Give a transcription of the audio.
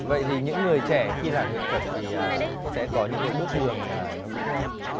vậy thì những người trẻ khi làm nghệ thuật thì sẽ có những cái bước đường nó cũng